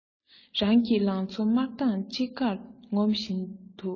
རང གི ལང ཚོའི དམར མདངས ཅི དགར ངོམ བཞིན དུ